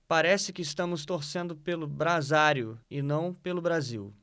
parece que estamos torcendo pelo brasário e não pelo brasil